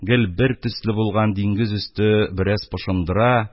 Гел бертөсле булган диңгез өсте бераз пошындыра,